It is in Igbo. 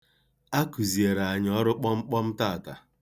A kụziere anyị ọrụ kpọmkpọm taata.